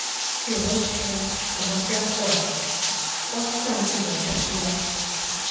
Сугыш чоры, тамаклар ач, Ачтан үлә күршеләр.